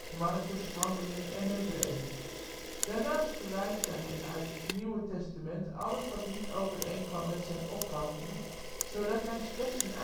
Marcus, Handelingen en Hebreeën. Daarnaast verwijderde hij uit zijn Nieuwe Testament alles wat niet overeenkwam met zijn opvattingen, zodat hij slechts een